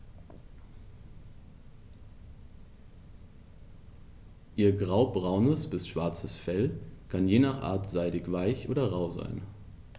Ihr graubraunes bis schwarzes Fell kann je nach Art seidig-weich oder rau sein.